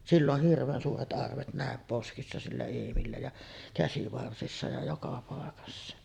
sillä on hirveän suuret arvet näin poskissa sillä Eemillä ja käsivarsissa ja joka paikassa